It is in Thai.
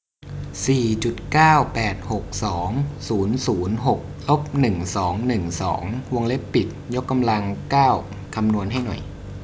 วงเล็บเปิดสี่จุดเก้าแปดหกสองศูนย์ศูนย์หกลบหนึ่งสองหนึ่งสองวงเล็บปิดยกกำลังเก้าคำนวณให้หน่อย